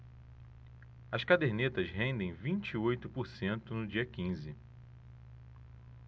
as cadernetas rendem vinte e oito por cento no dia quinze